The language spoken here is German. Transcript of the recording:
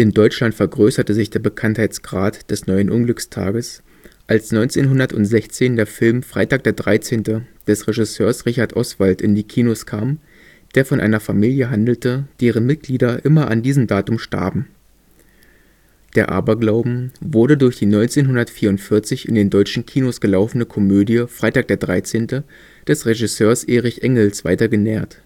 Deutschland vergrößerte sich der Bekanntheitsgrad des neuen Unglückstages, als 1916 der Film Freitag der 13. des Regisseurs Richard Oswald in die Kinos kam, der von einer Familie handelte, deren Mitglieder immer an diesem Datum starben. Der Aberglauben wurde durch die 1944 in den deutschen Kinos gelaufene Komödie Freitag der 13. des Regisseurs Erich Engels weiter genährt